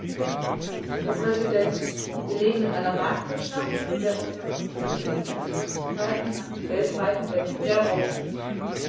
Frau Präsidentin, wir leben in einer Marktwirtschaft, in der unsere Unternehmen ihre Tätigkeiten nach dem weltweiten Wettbewerb ausrichten.